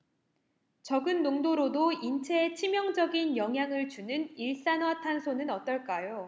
적은 농도로도 인체에 치명적인 영향을 주는 일산화탄소는 어떨까요